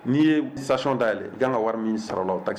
N'i ye sation dalenɛlɛn yan ka wari min sɔrɔ la ta